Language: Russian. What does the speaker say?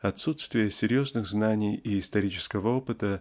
отсутствие серьезных знаний и исторического опыта